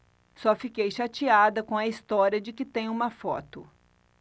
só fiquei chateada com a história de que tem uma foto